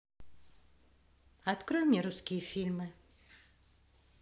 открой мне русские фильмы